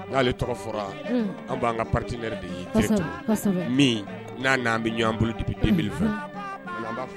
N'ale tɔgɔ fɔra an kati de ye n'aan bɛ ɲɔgɔnan bolo den fɛ b